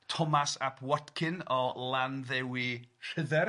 Thomas Ap Watkin o Landdewi Rhydderch.